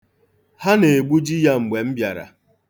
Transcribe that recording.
Ha na-egbuji ya mgbe m bịara.